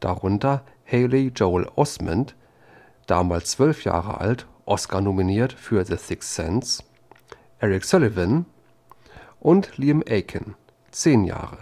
darunter Haley Joel Osment (damals zwölf Jahre alt, oscar-nominiert für The Sixth Sense), Eric Sullivan (neun Jahre alt) und Liam Aiken (zehn Jahre